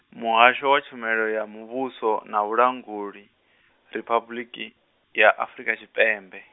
Muhasho wa Tshumelo ya Muvhuso na Vhulanguli, Riphabuḽiki, ya Afrika Tshipembe.